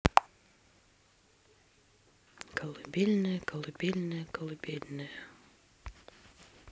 колыбельная колыбельная колыбельная